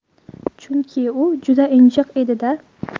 chunki u juda injiq edida